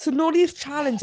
So nôl i'r challenge.